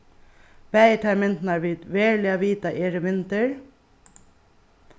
bæði tær myndirnar vit veruliga vita eru myndir